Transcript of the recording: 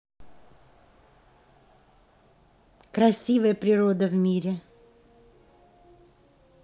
красивая природа в мире